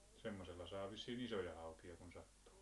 semmoisella saa vissiin isoja haukia kun sattuu